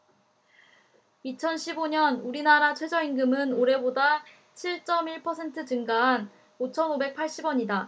이천 십 오 년 우리나라 최저임금은 올해보다 칠 쩜 일 퍼센트 증가한 오천 오백 팔십 원이다